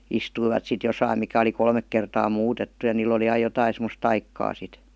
istuivat sitten jossakin mikä oli kolme kertaa muutettu ja niillä oli aina jotakin semmoista taikaa sitten